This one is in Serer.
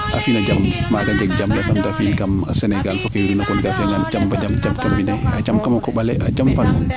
a fina jam maaga jeg jam yaasam rooga fi in kam Senegal fo ke widuuna jam fo jam kam mbine jam kombale jam fa nuun